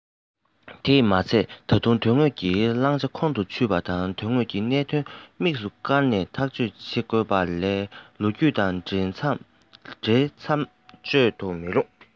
དེས མ ཚད ད དུང དོན དངོས ཀྱི བླང བྱ ཁོང དུ ཆུད པ དང དོན དངོས ཀྱི གནད དོན དམིགས སུ བཀར ནས ཐག གཅོད བྱེད དགོས པ ལས ལོ རྒྱུས དང འབྲེལ མཚམས གཅོད མི རུང